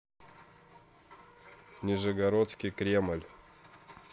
нижегородский кремль